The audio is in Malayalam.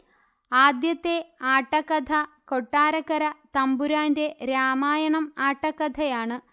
ആദ്യത്തെ ആട്ടക്കഥ കൊട്ടാരക്കര തമ്പുരാന്റെ രാമായണം ആട്ടക്കഥയാണ്